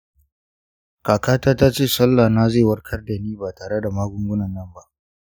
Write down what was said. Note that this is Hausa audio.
kaka ta tace sallah na zai warkar dani ba tare da magungunan nan ba.